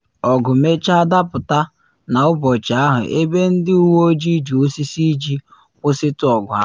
Ọgụ mechaa dapụta n’ụbọchị ahụ ebe ndị uwe ojii ji osisi iji kwụsịtụ ọgụ ahụ.